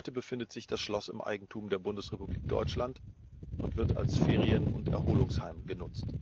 befindet sich das Schloss im Eigentum der Bundesrepublik Deutschland und wird als Ferien - und Erholungsheim genutzt